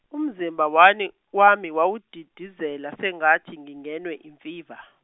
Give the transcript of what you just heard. umzimba wani, wami, wawudidizela sengathi ngingenwe imfiva.